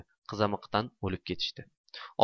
qizamiqdan o'lib ketishdi